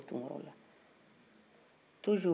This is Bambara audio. toujours o bɛɛ de ye nabila burahima bɔnnaw ye